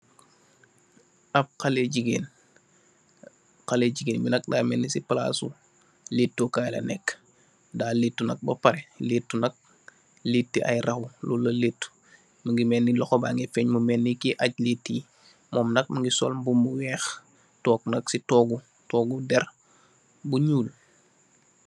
Ab xaleh jegain xaleh jegain be nak da melne se plase letoukaye la neke da letou nak ba pareh letou nak leteh aye raw lolu la letou muge melne lohou bage fang mu melne koye ajj lete ye mum nak muge sol mubmu weex tonke nak se toogu tongu derr bu nuul.